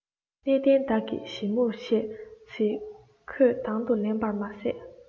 གནས བརྟན དག གིས ཞིབ མོར བཤད ཚེ ཁོས དང དུ ལེན པ མ ཟད